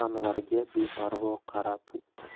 anvarga beparvo qarab